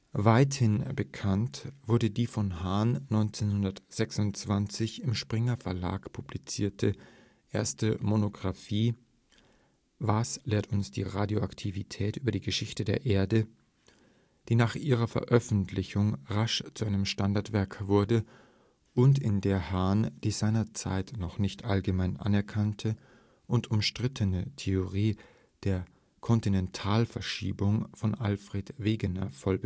Weithin bekannt wurde Hahns 1926 im Springer-Verlag publizierte erste Monographie Was lehrt uns die Radioaktivität über die Geschichte der Erde? die nach ihrer Veröffentlichung rasch zu einem Standardwerk wurde, und in der Hahn die seinerzeit noch nicht allgemein anerkannte und umstrittene Theorie der Kontinentalverschiebung von Alfred Wegener voll